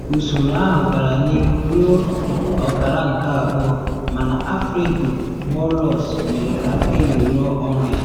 Usoro ahụ gara n’ihu ruo ọkara nke abụọ, mana Alfredo Morelos mere ka Kelly rụọ ọrụ ya.